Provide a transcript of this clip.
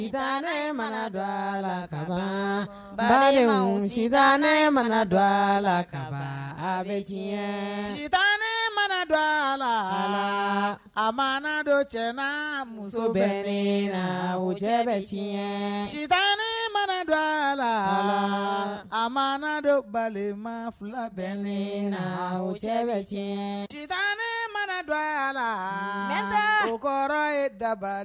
Mana dɔ a la ka ba si ne mana dɔ a la ka bɛ sita ne mana dɔ a la a ma dɔ cɛ muso bɛ la wo cɛ bɛɲɛ sita mana dɔ a la a ma dɔ balima fila bɛ le la wo cɛ bɛta ne mana dɔ a la n kɔrɔ ye dabali